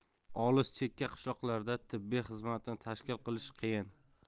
olis chekka qishloqlarda tibbiy xizmatni tashkil qilish qiyin